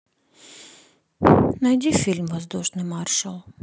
найди фильм воздушный маршал